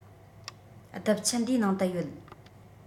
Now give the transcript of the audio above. རྡིབ ཆུ འདིའི ནང དུ ཡོད